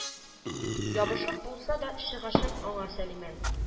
Ябышып булса да чыгачак аңа Сәлимә